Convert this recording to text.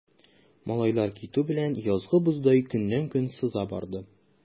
Малайлар китү белән, язгы боздай көннән-көн сыза барды.